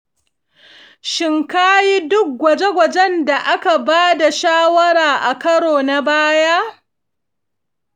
shin ka yi duk gwaje-gwajen da aka ba da shawara a karo na baya?